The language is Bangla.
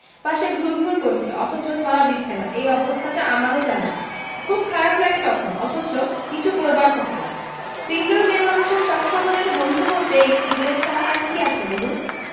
পাশে ঘুর ঘুর করছে অথচ ধরা দিচ্ছে না এই অবস্থাটা আমারও জানা খুব খারাপ লাগে তখন অথচ কিছু করবার থাকে না সিংগল মেয়েমানুষের সব সময়ের বন্ধু বলতে এই সিগারেট ছাড়া আর কী আছে বলুন